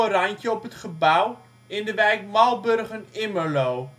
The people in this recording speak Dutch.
randje op het gebouw, in de wijk Malburgen-Immerloo